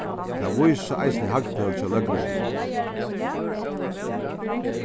tað vísa eisini hagtøl hjá løgregluni